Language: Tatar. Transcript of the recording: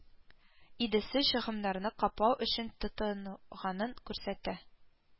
Идесе чыгымнарны каплау өчен тотынылганын күрсәтә